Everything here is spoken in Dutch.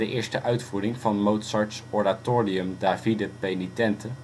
eerste uitvoering van Mozarts oratorium Davidde penitente